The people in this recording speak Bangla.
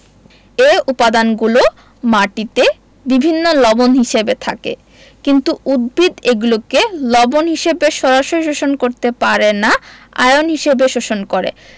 এ উপাদানগুলো মাটিতে বিভিন্ন লবণ হিসেবে থাকে কিন্তু উদ্ভিদ এগুলোকে লবণ হিসেবে সরাসরি শোষণ করতে পারে না আয়ন হিসেবে শোষণ করে